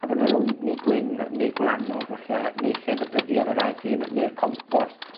a bod 'na lwydni gwyn neu gwlanog, falle neull e'n datblygu ar yr egin ne'r compos